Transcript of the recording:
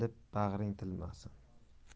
bilib bag'ring tilmasin